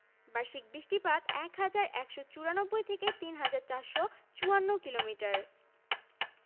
রাজশাহী বরিশাল সিলেট এবং রংপুর জেলা ৬৪টি উপজেলা ৪৮৩টি ও থানা ৫৯৯টি